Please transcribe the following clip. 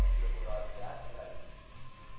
unga murojaat qiladi